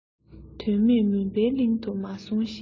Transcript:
དོན མེད མུན པའི གླིང དུ མ སོང ཞིག